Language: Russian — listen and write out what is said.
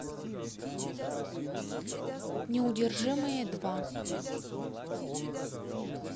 неудержимые два